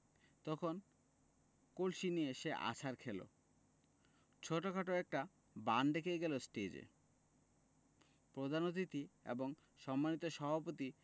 তখন কনসি নিয়ে সে আছাড় খেলো ছােটখাট একটা বান ডেকে গেল টেজে প্রধান অতিথি এবং সম্মানিত সভাপতি